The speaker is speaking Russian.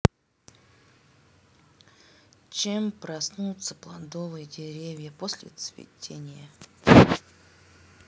чем проснуться плодовые деревья после цветения